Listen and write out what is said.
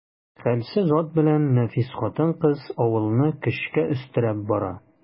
Хәлсез ат белән нәфис хатын-кыз авылны көчкә өстерәп бара.